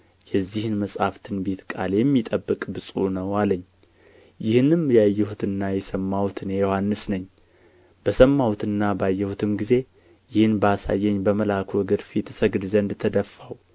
የዚህን መጽሐፍ ትንቢት ቃል የሚጠብቅ ብፁዕ ነው አለኝ ይህንም ያየሁትና የሰማሁት እኔ ዮሐንስ ነኝ በሰማሁትና ባየሁትም ጊዜ ይህን ባሳየኝ በመልአኩ እግር ፊት እሰግድ ዘንድ ተደፋሁ